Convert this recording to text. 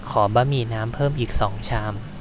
ขอบะหมี่น้ำเพิ่มอีกสองชาม